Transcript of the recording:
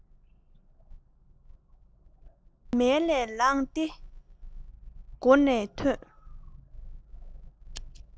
ང མལ ལས ལངས ཏེ སྒོ ནས ཐོན